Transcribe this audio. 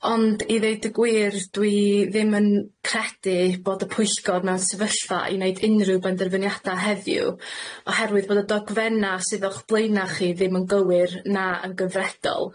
ond i ddeud y gwir, dwi ddim yn credu bod y pwyllgor mewn sefyllfa i neud unrhyw benderfyniada heddiw oherwydd bod y dogfenna' sydd o'ch blaena' chi ddim yn gywir na' yn gyfredol.